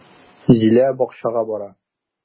Зилә бакчага бара.